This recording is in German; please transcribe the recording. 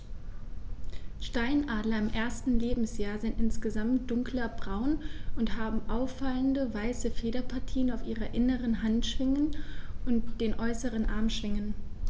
Steinadler im ersten Lebensjahr sind insgesamt dunkler braun und haben auffallende, weiße Federpartien auf den inneren Handschwingen und den äußeren Armschwingen.